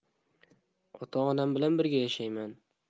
ota onam bilan birga yashayman